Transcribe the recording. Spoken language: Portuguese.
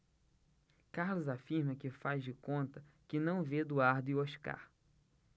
carlos afirma que faz de conta que não vê eduardo e oscar